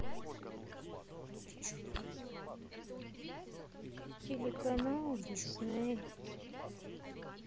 телеканал дисней